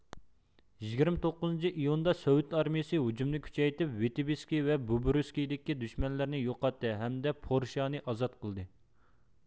يىگىرمە توققۇزىنچى ئىيۇندا سوۋېت ئارمىيىسى ھۇجۇمنى كۈچەيتىپ ۋىتېبسكى ۋە بۇبرۇيسكدىكى دۈشمەنلەرنى يوقاتتى ھەمدە پورشانى ئازاد قىلدى